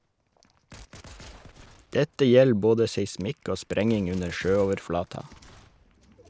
Dette gjeld både seismikk og sprenging under sjøoverflata.